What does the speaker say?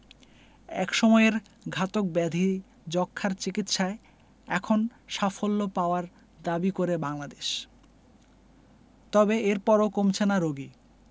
একসময়ের ঘাতক ব্যাধি যক্ষ্মার চিকিৎসায় এখন সাফল্য পাওয়ার দাবি করে বাংলাদেশ তবে এরপরও কমছে না রোগী